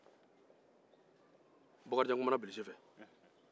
bakarijan kumana bilisi fɛ